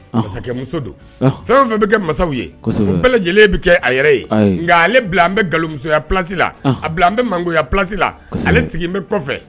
Masakɛmuso don fɛn o fɛn bɛ kɛ mansaw ye, kosɛbɛ, o bɛɛ lajɛlen bɛ kɛ a yɛrɛ ye, a ye, nk'ale bila n bɛ galomusoya place la, anh, a bila an bɛ mangoya place la ale sigi n bɛ kɔfɛ